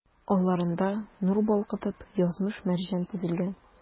Алларыңда, нур балкытып, язмыш-мәрҗән тезелгән.